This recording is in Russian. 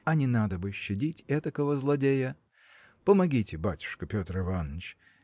а не надо бы щадить этакого злодея. Помогите, батюшка, Петр Иваныч